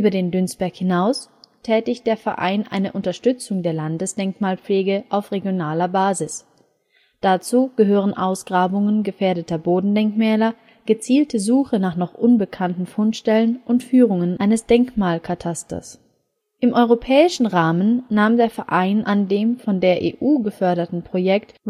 den Dünsberg hinaus tätigt der Verein eine Unterstützung der Landesdenkmalpflege auf regionaler Basis. Dazu gehören Ausgrabungen gefährdeter Bodendenkmäler, gezielte Suche nach noch unbekannten Fundstellen und Führung eines Denkmalkatasters. Im europäischen Rahmen nahm der Verein an dem von der EU geförderten Projekt " Rome